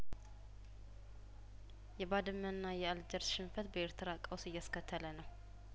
የባድመና የአልጀርስ ሽንፈት በኤርትራ ቀውስ እያስከተለነው